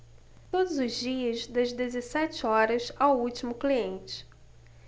todos os dias das dezessete horas ao último cliente